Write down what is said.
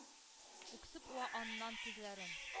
Үксеп уа аннан күзләрен.